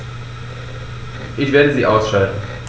Ich werde sie ausschalten